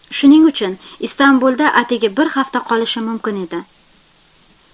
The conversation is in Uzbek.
shuning uchun istambulda atigi bir hafta qolishi mumkin edi